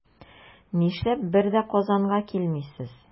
Нишләп бер дә Казанга килмисез?